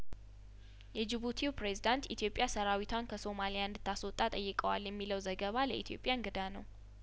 የጅቡቲው ፕሬዝዳንት ኢትዮጵያ ሰራዊቷን ከሶማሊያ እንድታስወጣ ጠይቀዋል የሚለው ዘገባ ለኢትዮጵያ እንግዳ ነው